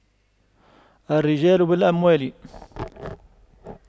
الرجال بالأموال